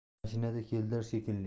mashinada keldilar shekilli